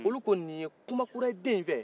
olu ko nin ye kumakura ye den in fɛ